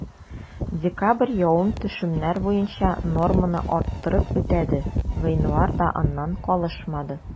Декабрь явым-төшемнәр буенча норманы арттырып үтәде, гыйнвар да аннан калышмады.